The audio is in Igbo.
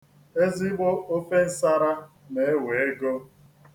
Ezigbo ofe nsara na-ewe ego.